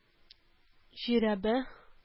Жирәбә